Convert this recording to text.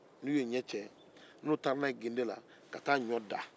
n'u ye ɲɔ cɛ n'u taara n'a gende la ka taa ɲɔ da